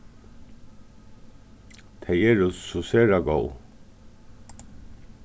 tey eru so sera góð